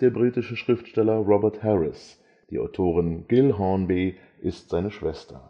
britische Schriftsteller Robert Harris. Die Autorin Gill Hornby ist seine Schwester